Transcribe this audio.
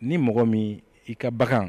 Ni mɔgɔ min i ka bagan